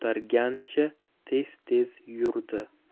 ko'targancha tez tez yurdi